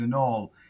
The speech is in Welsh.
yn ôl